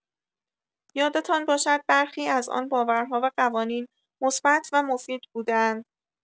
یادتان باشد برخی از آن باورها و قوانین، مثبت و مفید بوده‌اند.